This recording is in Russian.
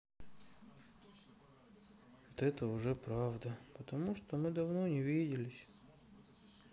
вот это уже правда потому что мы давно не виделись